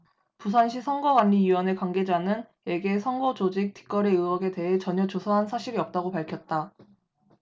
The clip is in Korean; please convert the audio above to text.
부산시선거관리위원회 관계자는 에게 선거조직 뒷거래의혹에 대해 전혀 조사한 사실이 없다고 밝혔다